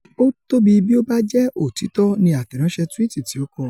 Ó tóbi bí ó bájẹ́ òtítọ́, ní àtẹ̀ránṣẹ́ tuwiti tí o kọ.